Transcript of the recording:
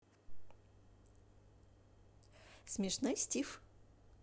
смешной стив